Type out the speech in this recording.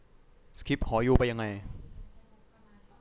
สคิปหอยูไปยังไง